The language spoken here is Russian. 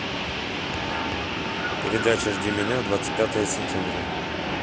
передача жди меня двадцать пятое сентября